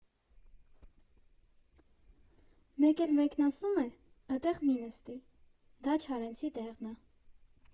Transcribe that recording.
Մեկ էլ մեկն ասում է՝ ըտեղ մի նստի, դա Չարենցի տեղն ա։